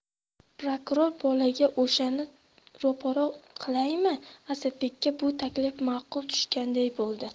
prokuror bolaga o'shani ro'para qilaymi asadbekka bu taklif ma'qul tushganday bo'ldi